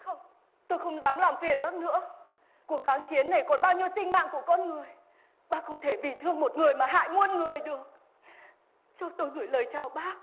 không tôi không dám làm phiền bác nữa cuộc kháng chiến này còn bao nhiêu sinh mạng của con người bác không thể vì thương một người mà hại muôn người được cho tôi gửi lời chào bác